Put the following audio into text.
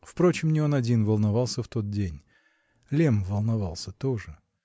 Впрочем, не он один волновался в тот день: Лемм волновался тоже.